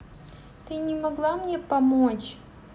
ты не могла мне помочь